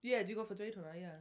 Ie, dwi gorfod dweud hwnna, ie.